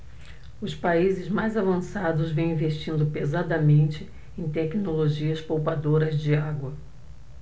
os países mais avançados vêm investindo pesadamente em tecnologias poupadoras de água